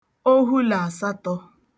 ohu là àsatọ